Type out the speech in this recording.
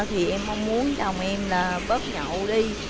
thì em mong muốn chồng em là bớt nhậu đi